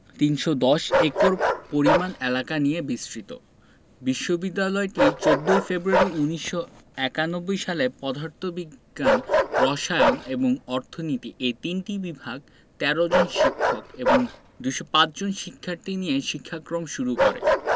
৩১০ acre পরিমাণ এলাকা নিয়ে বিস্তৃত বিশ্ববিদ্যালয়টি ১৪ ফেব্রুয়ারি ১৯৯১ সালে পধার্ত বিজ্ঞান রসায়ন এবং অর্থনীতি এ তিনটি বিভাগ ১৩ জন শিক্ষক এবং ২০৫ জন শিক্ষার্থী নিয়ে শিক্ষাক্রম শুরু করে